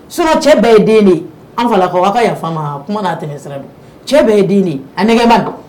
Su cɛ bɛɛ ye den anfala ko ka yafa kuma tɛ cɛ bɛɛ ye den a nɛma don